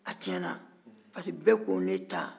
a tiɲɛ na pariseke bɛɛ ko ne ta